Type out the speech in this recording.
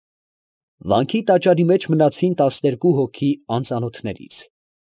Վանքի տաճարի մեջ մնացին տասներկու հոգի անծանոթներից։